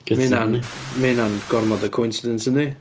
Mae hynna'n, hynna'n gormod o coincidence yndi?